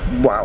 waaw